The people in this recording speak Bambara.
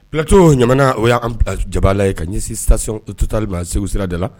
Plɛtɔ ɲa o y'an ja la ye ka ɲɛsitali segu sira de la